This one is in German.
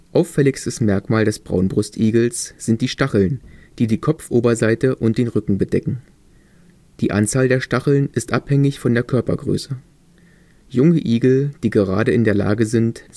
Auffälligstes Merkmal des Braunbrustigels sind die Stacheln, die die Kopfoberseite und den Rücken bedecken. Die Anzahl der Stacheln ist abhängig von der Körpergröße. Junge Igel, die gerade in der Lage sind